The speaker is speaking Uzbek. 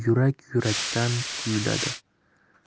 yurak yurak dan kuyladi